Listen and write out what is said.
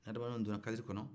ni adamadenw donna kadiri kɔnɔ